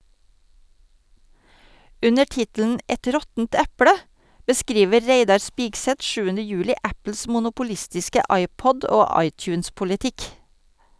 Under tittelen «Et råttent eple» beskriver Reidar Spigseth 7. juli Apples monopolistiske iPod- og iTunes-politikk.